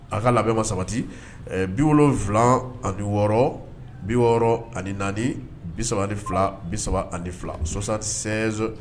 A ka labɛn ma sabati bi wolo wolonwula ani wɔɔrɔ bi wɔɔrɔ ani naani bi3 ni fila bi3 ani fila sɔsan ni sɛ